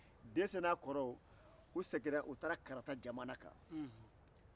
dɛsɛ n'a kɔrɔw u segiina u taara karata jamana kan